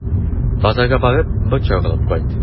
Базарга барып, борчак алып кайт.